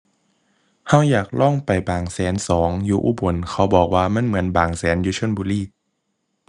เราอยากลองไปบางแสนสองอยู่อุบล เขาบอกว่ามันเหมือนบางแสนอยู่ชลบุรี